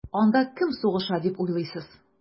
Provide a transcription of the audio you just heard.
Анда кем сугыша дип уйлыйсыз?